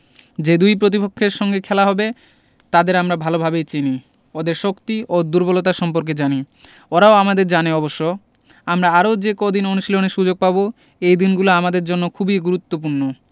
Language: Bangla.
যে দুই প্রতিপক্ষের সঙ্গে খেলা হবে তাদের আমরা ভালোভাবে চিনি ওদের শক্তি ও দুর্বলতা সম্পর্কে জানি ওরাও আমাদের জানে অবশ্য আমরা আরও যে কদিন অনুশীলনের সুযোগ পাব এই দিনগুলো আমাদের জন্য খুবই গুরুত্বপূর্ণ